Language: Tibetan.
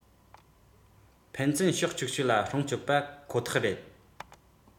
ཕན ཚུན ཕྱོགས ཅིག ཤོས ལ སྲུང སྐྱོབ པ ཁོ ཐག རེད